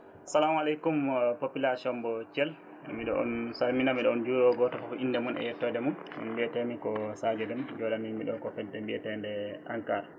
salamu aleykum population mbo Thiel mbiɗo on salmina mbiɗo on juuro goto foof inde mum e yettode mum min mbiyetemi ko Sadio Déme joɗanima ɗo ko fedde mbiyetede ENCAR